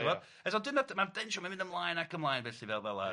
ti'bod eto dyna d- ma'n densiwn mae'n mynd ymlaen ac ymlaen felly fel fela ... Ia..